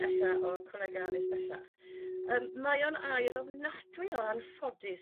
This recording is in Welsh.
ella o colega' addysg bellach. Yrm mae o'n air ofnadwy o anffodus